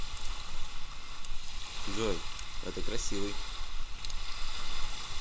джой а ты красивый